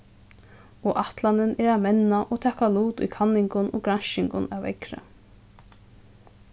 og ætlanin er at menna og taka lut í kanningum og granskingum av veðri